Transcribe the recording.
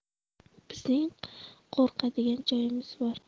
bizning qo'rqadigan joyimiz yo'q